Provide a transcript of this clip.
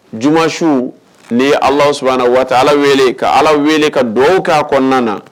Juma su ni ye Alahu subahana wataala wele ka Ala wele ka dugawu k'a kɔnɔna na